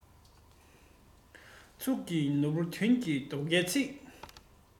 གཙུག གི ནོར བུ དོན གྱི རྡོ ཁའི ཚིག